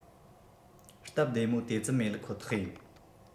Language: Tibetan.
སྟབས བདེ མོ དེ ཙམ མེད ཁོ ཐག ཡིན